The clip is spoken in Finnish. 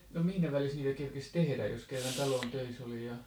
no missä välissä niitä kerkesi tehdä jos kerran talon töissä oli ja